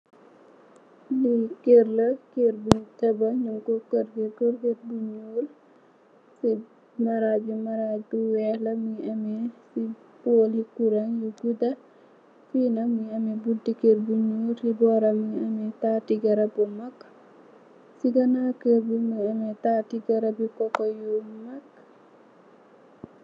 Lee kerr la kerr bun tabax nugku korget korget bu nuul se marag be marag bu weex la muge ameh se pole curang yu gouda fee nak muge ameh bunte kerr bu nuul se boram muge ameh tate garab bu mag se ganaw kerr be muge ameh tate garab yu koko yu mag.